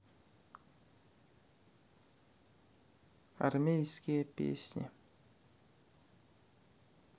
армейские песни